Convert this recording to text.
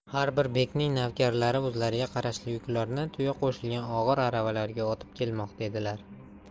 har bir bekning navkarlari o'zlariga qarashli yuklarni tuya qo'shilgan og'ir aravalarga ortib kelmoqda edilar